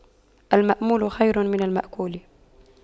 المأمول خير من المأكول